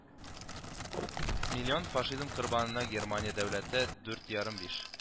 Миллион фашизм корбанына германия дәүләте дүрт ярым биш